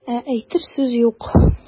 Ә әйтер сүз юк.